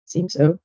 Seems so.